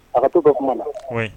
A ka to ka kuma na